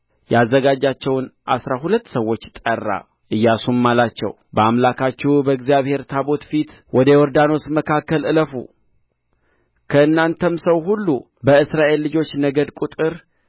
ያዘጋጃቸውን አሥራ ሁለት ሰዎች ጠራ ኢያሱም አላቸው በአምላካችሁ በእግዚአብሔር ታቦት ፊት ወደ ዮርዳኖስ መካከል እለፉ ከእናንተም ሰው ሁሉ በእስራኤል ልጆች ነገድ ቍጥር